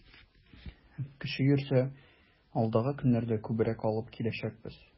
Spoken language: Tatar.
Кеше йөрсә, алдагы көннәрдә күбрәк алып киләчәкбез.